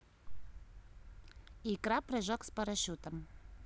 икра прыжок с парашютом